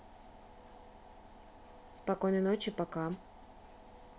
спокойной ночи пока